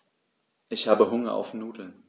Ich habe Hunger auf Nudeln.